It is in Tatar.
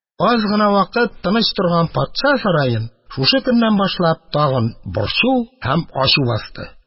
Аз гына вакыт тыныч торган патша сараен шушы көннән башлап тагын борчу һәм ачу басты.